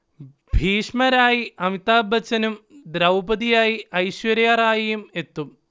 ഭീഷ്മരായി അമിതാഭ് ബച്ചനും ദ്രൗപതിയായി ഐശ്വര്യ റായിയും എത്തും